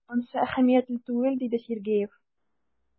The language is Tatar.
Ансы әһәмиятле түгел,— диде Сергеев.